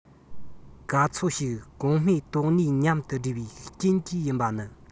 ག ཚོད ཞིག གོང སྨྲས དོན གཉིས མཉམ དུ སྦྲེལ བའི རྐྱེན གྱིས ཡིན པ ནི